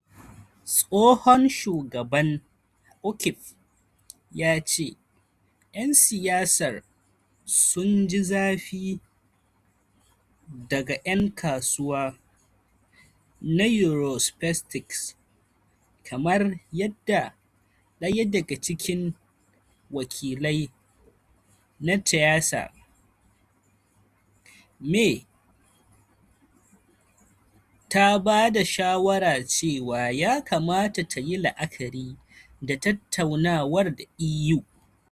Tsohon shugaban Ukip ya ce 'yan siyasar sun' ji zafi 'daga' yan kasuwa na Eurosceptics - kamar yadda daya daga cikin wakilai na Theresa May ta ba da shawara cewa ya kamata tayi la'akari da tattaunawar da EU.